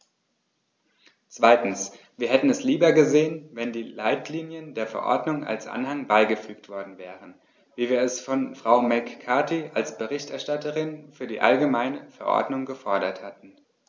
Zweitens: Wir hätten es lieber gesehen, wenn die Leitlinien der Verordnung als Anhang beigefügt worden wären, wie wir es von Frau McCarthy als Berichterstatterin für die allgemeine Verordnung gefordert hatten.